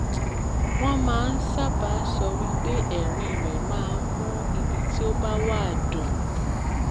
Wọ́n máa ń sábà sọ wípé ẹ̀rín rẹ̀ máa ń hey always said his smile lit up any room."